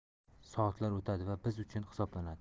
soatlar o'tadi va biz uchun hisoblanadi